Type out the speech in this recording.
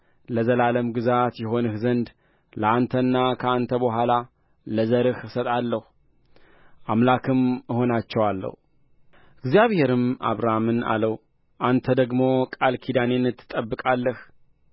ለዘላለም ግዛት ይሆንህ ዘንድ ለአንተና ከአንተ በኋላ ለዘርህ እሰጣለሁ አምላክም እሆናቸዋለሁ እግዚአብሔርም አብርሃምን አለው አንተ ደግሞ ቃል ኪዳኔን ትጠብቃለህ